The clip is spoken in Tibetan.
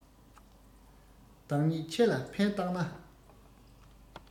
བདག ཉིད ཆེ ལ ཕན བཏགས ན